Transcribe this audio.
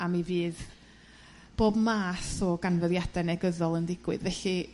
a mi fydd bob math o ganfyddiade negyddol yn ddigwydd felly...